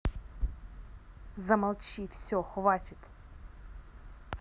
замолчи все хватит